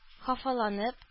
Хафаланып